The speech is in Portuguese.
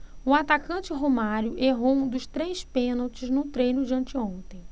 o atacante romário errou um dos três pênaltis no treino de anteontem